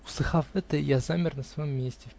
Услыхав это, я замер на своем месте.